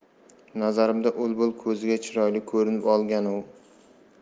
nazarimda ul bul ko'ziga chiroyli ko'rinib olgan ov